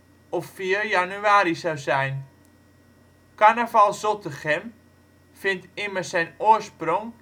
januari zou zijn). Carnaval Zottegem vindt immers zijn oorsprong